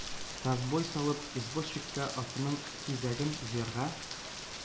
Разбой салып, извозчикка атының тизәген җыярга,